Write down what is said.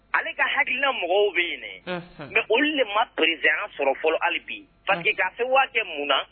Ale ka hakiina mɔgɔw bɛ dɛ, unhun, mais olu de ma president ya sɔrɔ fɔlɔ hali bi parce que k'a sababuya kɛ mun na